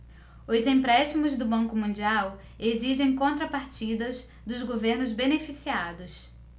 os empréstimos do banco mundial exigem contrapartidas dos governos beneficiados